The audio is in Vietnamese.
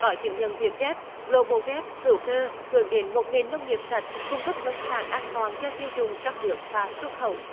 có chứng nhận việt gép lô bô gép hữu cơ hướng đến một nền nông nghiệp sạch cung cấp nông sản an toàn cho tiêu dùng trong nước và xuất khẩu